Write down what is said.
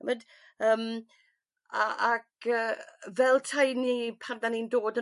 T'mod? Yym a ac yy fel 'tai ni pan 'dan ni'n dod